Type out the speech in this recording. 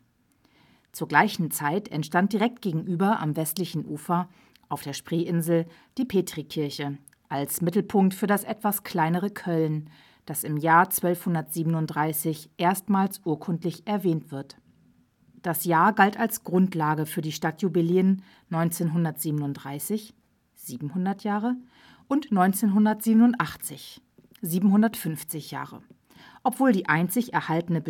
Zur gleichen Zeit entstand direkt gegenüber am westlichen Ufer auf der Spreeinsel die Petrikirche als Mittelpunkt für das etwas kleinere Cölln, das im Jahr 1237 erstmals urkundlich erwähnt wird. Das Jahr galt als Grundlage für die Stadtjubiläen 1937 (700 Jahre) und 1987 (750 Jahre), obwohl die einzig erhaltene